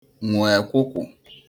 nwo ekwụ̀kwụ̀